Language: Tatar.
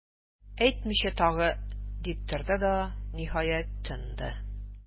Әйтмичә тагы,- дип торды да, ниһаять, тынды.